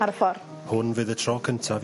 Ar y ffor. Hwn fydd y tro cyntaf i...